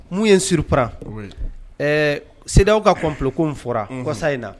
Mun ye surupra ɛɛ sew ka kɔnfiko fɔra kɔsa in na